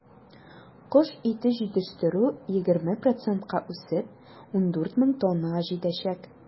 Кош ите җитештерү, 20 процентка үсеп, 14 мең тоннага җитәчәк.